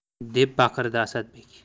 deb baqirdi asadbek